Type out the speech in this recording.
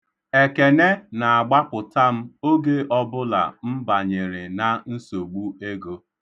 Ekene na-agbapụta m oge ọbụla m banyere na nsogbu ego.